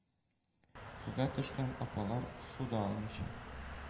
Суга төшкән апалар, су да алмыйча,